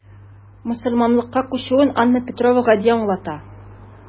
Мөселманлыкка күчүен Анна Петрова гади аңлата.